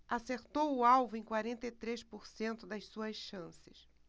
acertou o alvo em quarenta e três por cento das suas chances